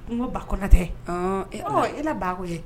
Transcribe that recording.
Ko ko ba kɔnna tɛ ee e la baako ye